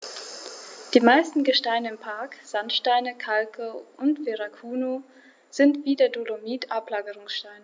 Die meisten Gesteine im Park – Sandsteine, Kalke und Verrucano – sind wie der Dolomit Ablagerungsgesteine.